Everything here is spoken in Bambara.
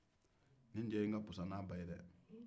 nin cɛ in ka fisa n' a ba ye dɛ